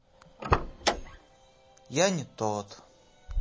я не тот